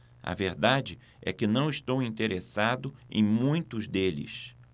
a verdade é que não estou interessado em muitos deles